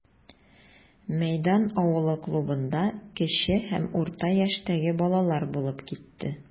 Мәйдан авылы клубында кече һәм урта яшьтәге балалар булып китте.